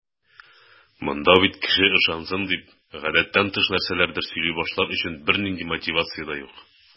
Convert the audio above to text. Монда бит кеше ышансын дип, гадәттән тыш нәрсәләрдер сөйли башлар өчен бернинди мотивация дә юк.